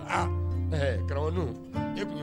Karamɔgɔ e